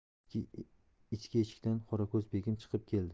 ichki eshikdan qorako'z begim chiqib keldi